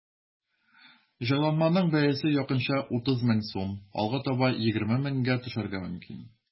Җайланманың бәясе якынча 30 мең сум, алга таба 20 меңгә төшәргә мөмкин.